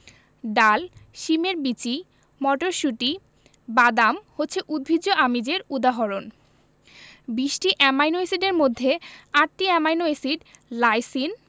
ডাল শিমের বিচি মটরশুঁটি বাদাম হচ্ছে উদ্ভিজ্জ আমিষের উদাহরণ ২০টি অ্যামাইনো এসিডের মধ্যে ৮টি অ্যামাইনো এসিড লাইসিন